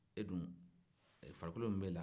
e dun farikolo min b'e la